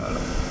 waaw